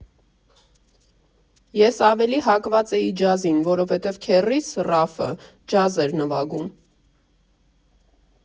Ես ավելի հակված էի ջազին, որոհվետև քեռիս՝ Ռաֆը, ջազ էր նվագում։